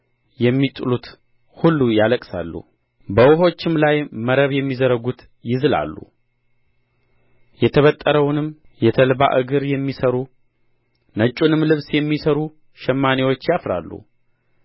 የሚጥሉት ሁሉ ያለቅሳሉ በውኆችም ላይ መረብ የሚዘረጉት ይዝላሉ የተበጠረውንም የተልባ እግር የሚሠሩ ነጩንም ልብስ የሚሠሩ ሸማኔዎች ያፍራሉ